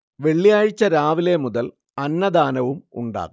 വെള്ളിയാഴ്ച രാവിലെ മുതൽ അന്നദാനവും ഉണ്ടാകും